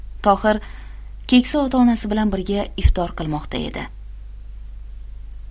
tohir keksa ota onasi bilan birga iftor qilmoqda edi